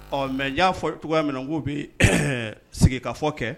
Ɔ mɛ y'a fɔ cogoya min na k'u bɛ sigikafɔ kɛ